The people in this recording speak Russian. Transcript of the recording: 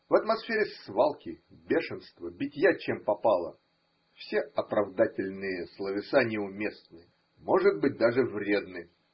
В атмосфере свалки, бешенства, битья чем попало – все оправдательные словеса неуместны. Может быть, даже вредны.